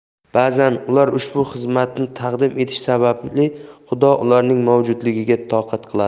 ba'zan ular ushbu xizmatni taqdim etishi sababli xudo ularning mavjudligiga toqat qiladi